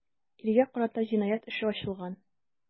Иргә карата җинаять эше ачылган.